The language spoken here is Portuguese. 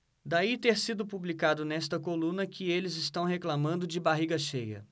daí ter sido publicado nesta coluna que eles reclamando de barriga cheia